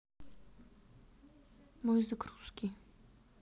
мой язык русский